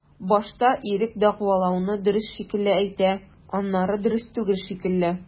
Башта ирек дәгъвалауны дөрес шикелле әйтә, аннары дөрес түгел шикелле.